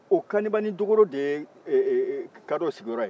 o kaniba ni dokoro de ye dakɔw sigiyɔrɔ ye